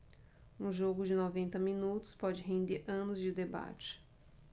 um jogo de noventa minutos pode render anos de debate